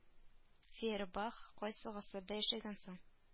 Фейербах кайсы гасырда яшәгән соң